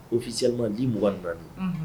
O fisililima diugan